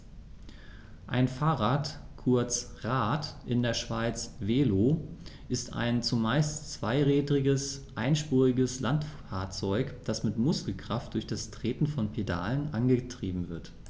Ein Fahrrad, kurz Rad, in der Schweiz Velo, ist ein zumeist zweirädriges einspuriges Landfahrzeug, das mit Muskelkraft durch das Treten von Pedalen angetrieben wird.